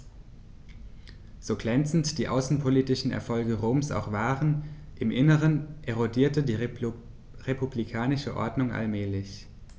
So glänzend die außenpolitischen Erfolge Roms auch waren: Im Inneren erodierte die republikanische Ordnung allmählich.